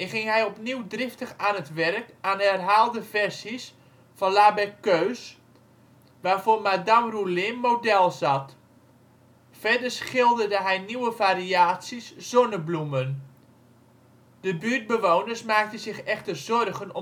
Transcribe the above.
ging hij opnieuw driftig aan het werk aan herhaalde versies van " La Berceuse ", waarvoor Madame Roulin model zat. Verder schilderde hij nieuwe variaties " Zonnebloemen ". De buurtbewoners maakten zich echter zorgen